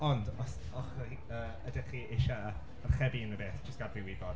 Ond os ydych chi eisiau archebu unrhywbeth, jyst gad fi wybod.